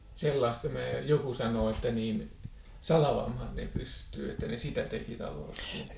sellaista joku sanoo että niin salvamaan ne pystyy että ne sitä teki talossakin